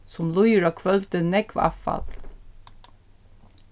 sum líður á kvøldið nógv avfall